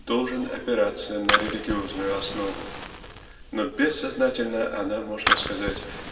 должен опираться на религиозную основу. Но бессознательно она можно сказать